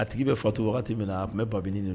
A tigi bɛ fatu wagati min a tun bɛ ba ɲini